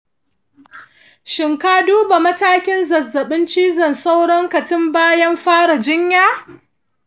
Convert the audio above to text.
shin ka duba matakin zazzabin cizon sauronka tun bayan fara jinya?